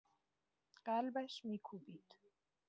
قلبش می‌کوبید.